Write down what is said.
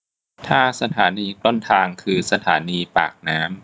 ถ้าสถานีต้นทางคือสถานีปากน้ำ